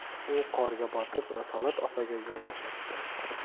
u qorga botib risolat opaga yo'l bo'shatdi